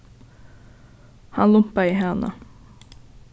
hann lumpaði hana